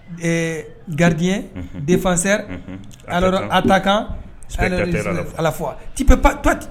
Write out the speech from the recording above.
Ee garidiɲɛ denfasɛ ata kan ala fɔ tipppi